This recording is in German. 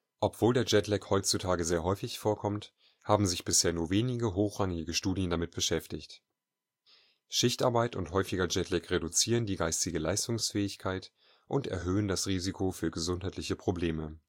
Obwohl der Jetlag heutzutage sehr häufig vorkommt, haben sich bisher nur wenige hochrangige Studien damit beschäftigt. Schichtarbeit und häufiger Jetlag reduzieren die geistige Leistungsfähigkeit und erhöhen das Risiko für gesundheitliche Probleme